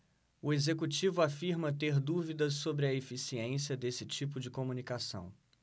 o executivo afirma ter dúvidas sobre a eficiência desse tipo de comunicação